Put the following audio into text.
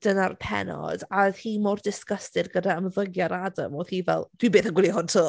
Dyna'r pennod. A oedd hi mor disgusted gyda ymddygiad Adam. Oedd hi fel "dwi byth yn gwylio hwn 'to!"